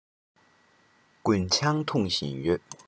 རྒུན ཆང འཐུང བཞིན ཡོད